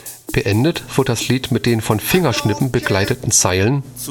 Beendet wird das Lied mit den von Fingerschnippen begleiteten Zeilen